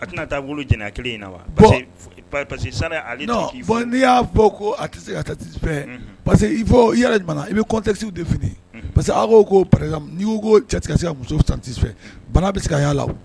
A tɛ na taa wolo jɛnɛya kelen in na wa bon parce que fɔ par parce que sal ale non ki bon n'i y'a fɔ ko a te se ka satisfait unhun parce que il faut i yɛrɛ jumɛn i bɛ contexte défini unhun parce que a ko ko par exemple n'i i' ko ko cɛ te ka se ka muso satisfait_ unhun, bana bɛ se ka y'a la